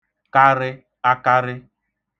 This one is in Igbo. karị